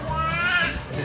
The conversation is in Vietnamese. dạ